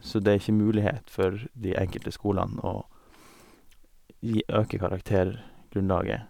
Så det er ikke mulighet for de enkelte skolene å gi øke karaktergrunnlaget.